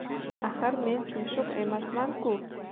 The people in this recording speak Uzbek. axir men chumchuq emasmanku